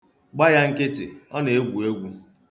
Gba ya nkịtị, ọ na-egwu egwu.